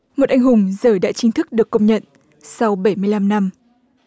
một anh hùng giờ đã chính thức được công nhận sau bảy mươi lăm năm